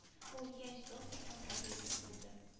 Ул яшь доктор һәм профессор булды